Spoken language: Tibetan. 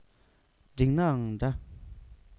འགྲིག ནའང འདྲ